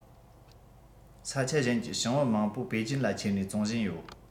ས ཆ གཞན ཀྱི བྱང བུ མང པོ པེ ཅིན ལ ཁྱེར ནས བཙོང བཞིན ཡོད